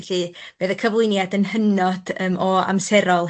Felly fe o'dd y cyflwyniad yn hynod yym o amserol...